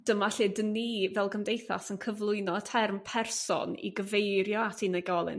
dyma lle dyn ni fel gymdeithas yn cyflwyno y term person i gyfeirio at unigolyn.